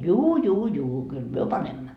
juu juu juu kyllä me panemme